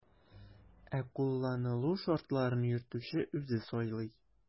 Ә кулланылу шартларын йөртүче үзе сайлый.